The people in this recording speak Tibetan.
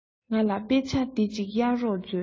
ང ལ དཔེ ཆ འདི གཅིག གཡར རོགས མཛོད